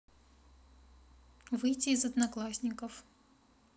выйти из одноклассников